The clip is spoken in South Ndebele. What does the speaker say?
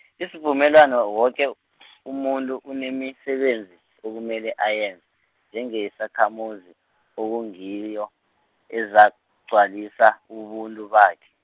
isivumelwano woke, umuntu unemisebenzi okumele ayenze, njengesakhamuzi, okungiyo, ezagcwalisa, ubuntu bakhe.